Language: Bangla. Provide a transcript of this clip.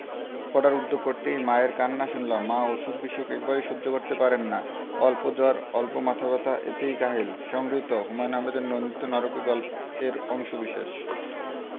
পড়ার উদ্যোগ করতেই মায়ের কান্না শুনলাম মা অসুখ বিসুখ একেবারেই সহ্য করতে পারেন না অল্প জ্বর অল্প মাথা ব্যাথা এতেই কাহিল সংগৃহীত হুমায়ুন আহমেদের নন্দিত নরকে গল্প এর অংশবিশেষ